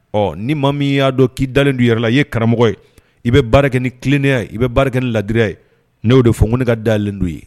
Ɔ ni maa min y'a dɔn k'i dalen don yɛrɛ la i ye karamɔgɔ ye i bɛ baara kɛ ni tilennenya i bɛ baara kɛ ni ladira ye n'o de fɔ ko ne ka dalenlen don ye